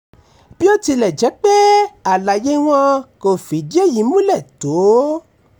Bí ó tilẹ̀ jẹ́ pé àlàyé wọn kò fìdí èyí múlẹ̀ tó: